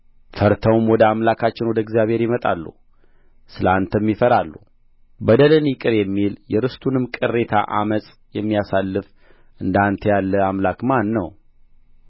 ፈርተውም ወደ አምላካችን ወደ እግዚአብሔር ይመጣሉ ስለ አንተም ይፈራሉ በደልን ይቅር የሚል የርስቱንም ቅሬታ ዓመፅ የሚያሳልፍ እንደ አንተ ያለ አምላክ ማን ነው